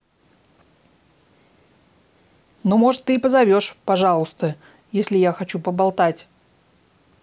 ну может ты и позовешь пожалуйста если я хочу поболтать